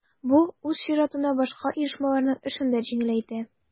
Бу үз чиратында башка оешмаларның эшен дә җиңеләйтә.